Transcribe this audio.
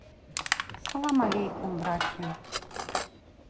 салам алейкум братьям